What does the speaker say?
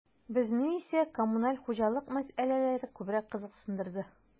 Безне исә коммуналь хуҗалык мәсьәләләре күбрәк кызыксындырды.